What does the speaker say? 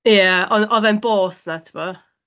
Ie, ond oedd e'n boeth 'na, tibod?